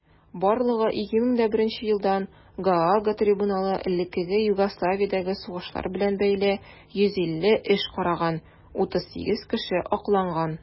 Барлыгы 2001 елдан Гаага трибуналы элеккеге Югославиядәге сугышлар белән бәйле 150 эш караган; 38 кеше акланган.